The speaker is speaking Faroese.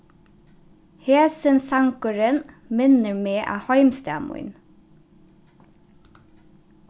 hesin sangurin minnir meg á heimstað mín